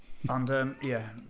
Ond yym ie.